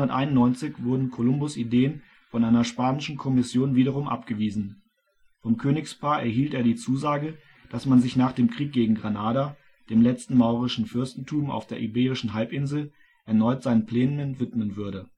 1491 wurden Kolumbus ' Ideen von einer spanischen Kommission wiederum abgewiesen. Vom Königspaar erhielt er die Zusage, dass man sich nach dem Krieg gegen Granada, dem letzten maurischen Fürstentum auf der iberischen Halbinsel, erneut seinen Plänen widmen würde